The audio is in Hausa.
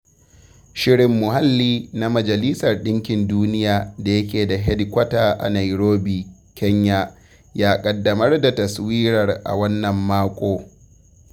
Shirin Muhalli na Majalisar Ɗinkin Duniya, da yake da hedikwata a Nairobi, Kenya ya ƙaddamar da taswirar a wannan makon.